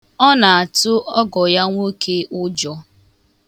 Ọ na-atụ ọgọ ya nwoke ụjọ.